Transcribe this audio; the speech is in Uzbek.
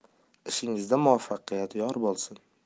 ishingizda muvafaqqiyat yor bo'lsin